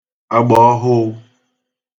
agbàọhụụ